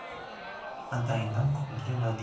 adangdan qolgan yodgorlik deb